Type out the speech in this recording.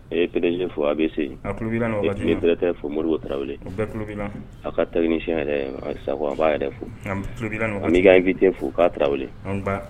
E ye t fɔ a bɛ setɛ fɔ mori bɛ tarawelewu a ka ta si yɛrɛ a b'a yɛrɛ fo'i tɛ fo k'a tarawelewu